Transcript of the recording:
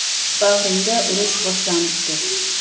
bag'ringda urush boshlanibdi